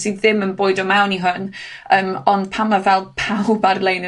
sydd ddim yn bwydo mewn i hwn, yym ond pan ma' fel pawb ar-lin yn